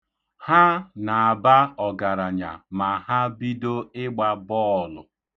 Ha na-aba ọgaranya m ha bido ịgba bọọlụ.